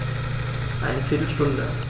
Eine viertel Stunde